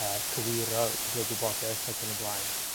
Yy cywiro withe gwybodaeth ag yn y blaen.